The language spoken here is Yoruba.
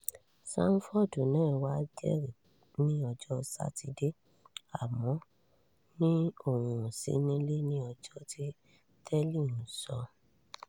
Sanford náà wá jẹ́rìí ní ọjọ́ Sátidé. Àmọ́ ó ní òun ò sí nílé ní ọjọ́ tí Telli ń sọ.